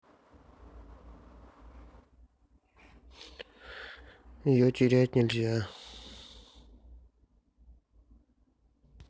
ее терять нельзя